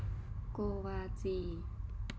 โกวาจี